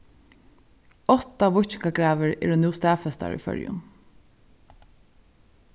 átta víkingagravir eru nú staðfestar í føroyum